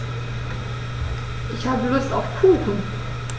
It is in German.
Ich habe Lust auf Kuchen.